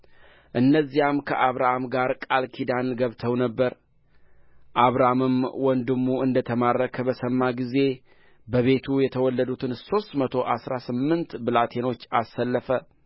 እነዚያም ከአብራም ጋር ቃል ኪዳን ገብተው ነበር አብራምም ወንድሙ እንደ ተማረከ በሰማ ጊዜ በቤቱ የተወለዱትን ሦስት መቶ አሥራ ስምንት ብላቴኖቹን አሰለፈ